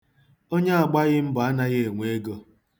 Onye agbaghị mbọ anaghị enwe ego.